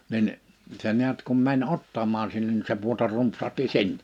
niin se näet kun meni ottamaan sinne niin se pudota rumpsahti sinne